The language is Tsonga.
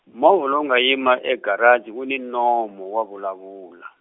movha lowu nga yima e garachi wu ni nomu wa vulavula.